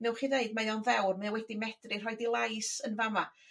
Newch chi ddeud mae o'n ddewr mae o wedi medru rhoid 'i lais yn fama.